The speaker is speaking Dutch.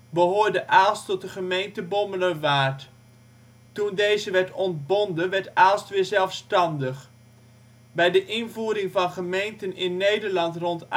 behoorde Aalst tot de gemeente Bommelerwaard. Toen deze werd ontbonden werd Aalst weer zelfstandig. Bij de invoering van gemeenten in Nederland rond